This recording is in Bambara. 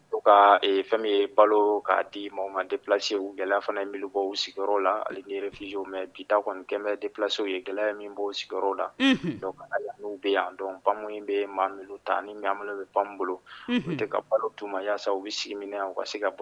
O ka fɛn min ye balo k kaa di maaw ma delase u gɛlɛya fana ye minnubaw sigiyɔrɔ la ale yɛrɛfizyw mɛn bita kɔni kɛmɛmɛ delasiww ye gɛlɛya min b'o sigiyɔrɔ la' bɛ yan dɔn ba bɛ maa minnu ta niaa minnu bɛ pan bolo u tɛ ka balo ma yaasa u bɛ sigi minɛ u ka se ka balo